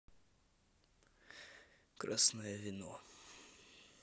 красное вино